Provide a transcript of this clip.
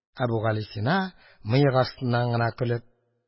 Әбүгалисина, мыек астыннан гына көлеп